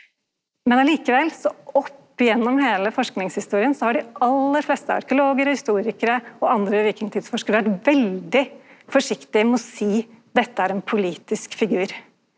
men likevel så opp igjennom heile forskingshistoria så har dei aller fleste arkeologar og historikarar og andre vikingtidsforskarar vore veldig forsiktige med å seie dette er ein politisk figur.